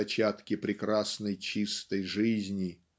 зачатки прекрасной чистой жизни?